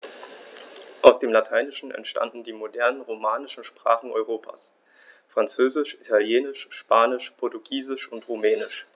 Aus dem Lateinischen entstanden die modernen „romanischen“ Sprachen Europas: Französisch, Italienisch, Spanisch, Portugiesisch und Rumänisch.